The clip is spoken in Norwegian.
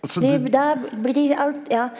de da blir de alt ja.